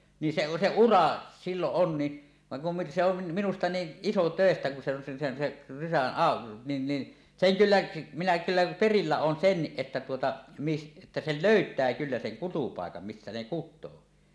niin se se ura silloin on niin vaan kun - se on minusta niin isotöistä kun se on se sen sen rysän - niin niin sen kyllä minä kyllä perillä olen senkin että tuota - että sen löytää kyllä sen kutupaikan missä ne kutee